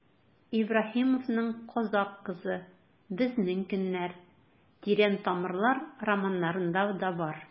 Ибраһимовның «Казакъ кызы», «Безнең көннәр», «Тирән тамырлар» романнарында да бар.